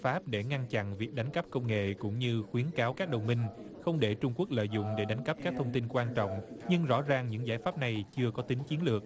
pháp để ngăn chặn việc đánh cắp công nghệ cũng như khuyến cáo các đồng minh không để trung quốc lợi dụng để đánh cắp các thông tin quan trọng nhưng rõ ràng những giải pháp này chưa có tính chiến lược